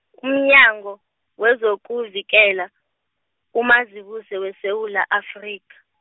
umnyango, wezokuvikela, uMazibuse weSewula Afrika.